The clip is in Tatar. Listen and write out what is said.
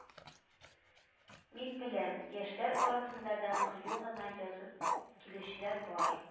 Мин беләм: яшьләр арасында да кыю гына язып килүчеләр бар